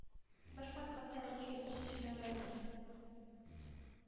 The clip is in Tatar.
Бер кайтканда Әнкәй үзе сөйләгән иде: